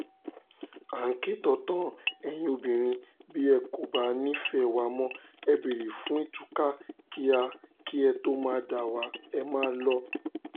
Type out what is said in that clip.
À ń ké tantan, ẹ̀yin obìnrin bí ẹ kò bá nífẹ̀ẹ́ wa mọ́, ẹ béèrè fún ìtúká kí ẹ tó máa dà wa, ẹ máa lọ.